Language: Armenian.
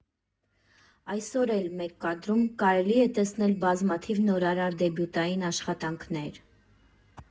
Այսօր էլ «Մեկ կադրում» կարելի է տեսնել բազմաթիվ նորարար դեբյուտային աշխատանքներ։